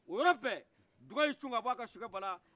o yɔrɔ bɛɛ duga ye i cun ka bɔ a ka sokɛ bala